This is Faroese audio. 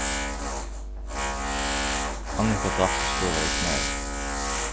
annika datt og skøvaði knæið